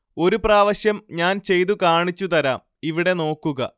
ഒരു പ്രാവശ്യം ഞാന്‍ ചെയ്തു കാണിച്ചു തരാം ഇവിടെ നോക്കുക